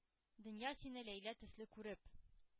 Дөнья, сине Ләйлә төсле күреп,